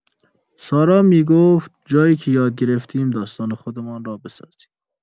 سارا می‌گفت: «جایی که یاد گرفتیم داستان خودمان را بسازیم.»